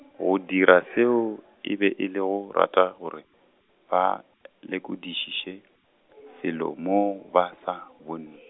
go dira seo, e be e le go rata gore, ba lekodišiše, felo moo ba sa bon-.